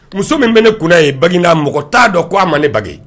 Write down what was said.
Muso min bɛ ne kunna ye ba mɔgɔ t'a dɔn ko' a ma ne ba